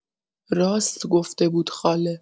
راست گفته بود خاله.